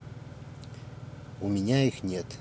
у меня их нет